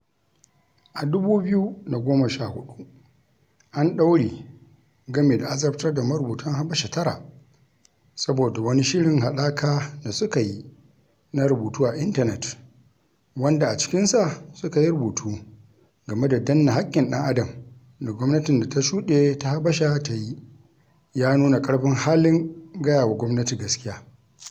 A 2014, an ɗaure gami da azabtar da marubutan Habasha tara saboda wani shirin haɗaka da suka yi na rubutu a intanet wanda a cikinsa suka yi rubutu game da danne haƙƙin ɗan'adam da gwamnatin da ta shuɗe ta Habasha ta yi, ya nuna ƙarfin halin gaya wa gwamnati gaskiya.